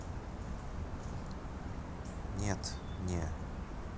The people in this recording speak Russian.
нет не